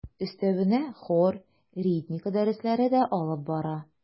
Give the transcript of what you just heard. Өстәвенә хор, ритмика дәресләре дә алып бара.